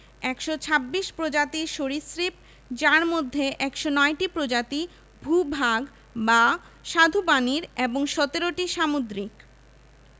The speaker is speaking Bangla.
স্তন্যপায়ী প্রাণী ১১৩ প্রজাতির যার মধ্যে ভূ ভাগের ১১০ প্রজাতি ও সামুদ্রিক ৩ টি প্রজাতি